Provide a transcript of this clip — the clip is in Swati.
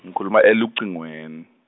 nkhuluma elucingwen-.